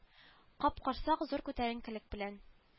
Капкорсак зур күтәренкелек белән